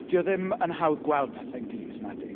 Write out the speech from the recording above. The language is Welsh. Dio ddim yn hawdd gweld pethe'n glir nadi?